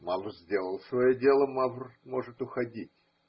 (Мавр сделал свое дело – мавр может уходить.